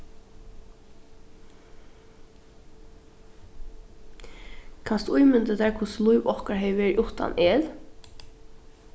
kanst tú ímynda tær hvussu lív okkara hevði verið uttan el